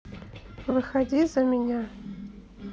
выходи за меня